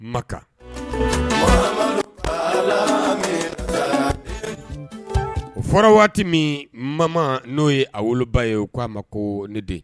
Makan o fɔra waati min mama n'o ye a woloba ye u k ko aa ma ko ne den